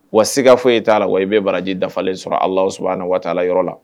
Wa siga foyi e t'a la wa i bɛ baraji dafalen sɔrɔ alasu a na waati'la yɔrɔ la